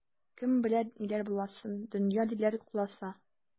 Кем белә ниләр буласын, дөнья, диләр, куласа.